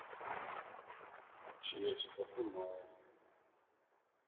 щенячий патруль новые серии